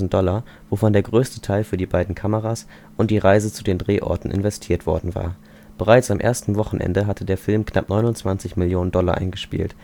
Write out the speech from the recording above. Dollar, wovon der größte Teil für die beiden Kameras und die Reise zu den Drehorten investiert worden war. Bereits am ersten Wochenende hatte der Film knapp 29 Millionen Dollar eingespielt